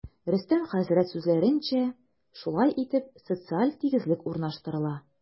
Рөстәм хәзрәт сүзләренчә, шулай итеп, социаль тигезлек урнаштырыла.